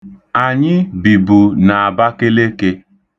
Anyị bibu n'Abakaleke.